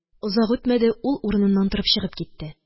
Озак үтмәде, ул урыныннан торып чыгып китте.